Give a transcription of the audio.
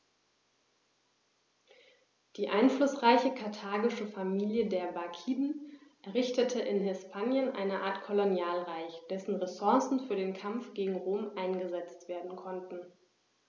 Die einflussreiche karthagische Familie der Barkiden errichtete in Hispanien eine Art Kolonialreich, dessen Ressourcen für den Kampf gegen Rom eingesetzt werden konnten.